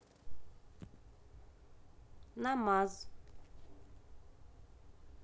намаз